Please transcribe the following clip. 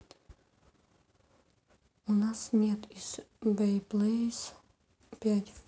у нас нет из by player s пять